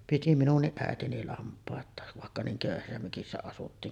piti minunkin äitini lampaita vaikka niin köyhässä mökissä asuttiin